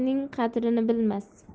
mardning qadrini bilmas